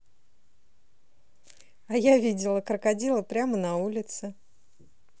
а я видела крокодила прямо на улице